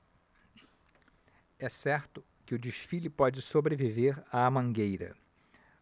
é certo que o desfile pode sobreviver à mangueira